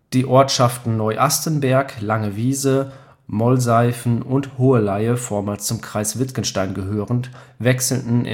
Die Ortschaften Neuastenberg, Langewiese, Mollseifen und Hoheleye, vormals zum Kreis Wittgenstein gehörend, wechselten